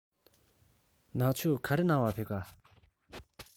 ནག ཆུར ག རེ གནང བར ཕེབས ཀ